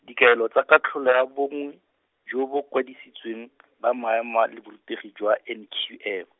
dikaelo tsa katlholo ya bongwe, jo bo kwadisitsweng, ba maemo a le borutegi jwa N Q F.